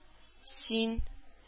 Син